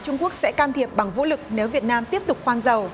trung quốc sẽ can thiệp bằng vũ lực nếu việt nam tiếp tục khoan dầu